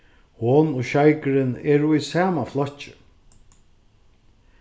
hon og sjeikurin eru í sama flokki